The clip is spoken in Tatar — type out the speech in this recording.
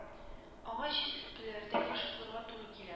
Аңа чит өлкәләрдә еш булырга туры килә